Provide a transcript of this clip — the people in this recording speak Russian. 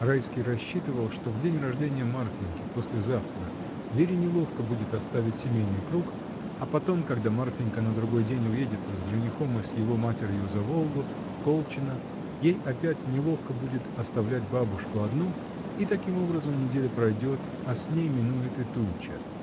Райский рассчитывал, что в день рождения Марфиньки, послезавтра, Вере неловко будет оставить семейный круг, а потом, когда Марфинька на другой день уедет с женихом и с его матерью за Волгу, в Колчино, ей опять неловко будет оставлять бабушку одну — и таким образом неделя пройдет, а с ней минует и туча.